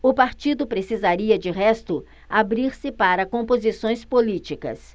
o partido precisaria de resto abrir-se para composições políticas